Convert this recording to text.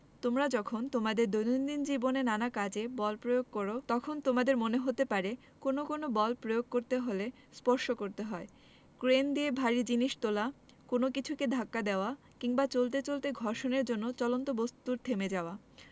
তোমরা যখন তোমাদের দৈনন্দিন জীবনে নানা কাজে বল ব্যবহার করো তখন তোমাদের মনে হতে পারে কোনো কোনো বল প্রয়োগ করতে হলে স্পর্শ করতে হয় ক্রেন দিয়ে ভারী জিনিস তোলা কোনো কিছুকে ধাক্কা দেওয়া কিংবা চলতে চলতে ঘর্ষণের জন্য চলন্ত বস্তুর থেমে যাওয়া